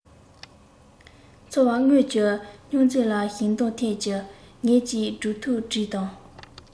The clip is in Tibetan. འཚོ བ དངོས ཀྱི སྙོག འཛིང ལ ཞིབ འདང ཐེབས ངེས ཀྱི སྒྲུང ཐུང བྲིས དང